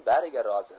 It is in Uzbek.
bariga rozi